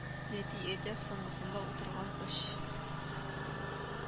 Нәти әдә соңгысында утырган өч